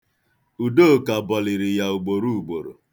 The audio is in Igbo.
Udoka bọliri ya ugboro ugboro.